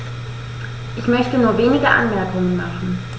Ich möchte nur wenige Anmerkungen machen.